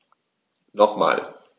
Nochmal.